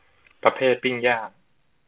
ประเภทปิ้งย่าง